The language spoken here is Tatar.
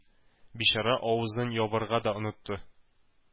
Бичара, авызын ябарга да онытты.